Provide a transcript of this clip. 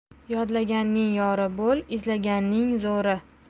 yodlaganning yori bo'l izlaganning zori